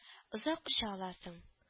Озак оча аласың